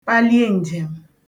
palie ǹjèm̀